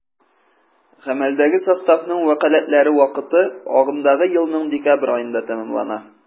Гамәлдәге составның вәкаләтләре вакыты агымдагы елның декабрь аенда тәмамлана.